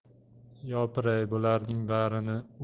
yopiray bularninng barini